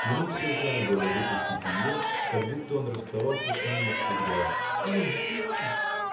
Ему всё жаль было выпустить ее, как будто он расставался с ней навсегда. — Больно, пустите.